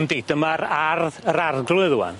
Yndi dyma'r ardd yr arglwydd ŵan.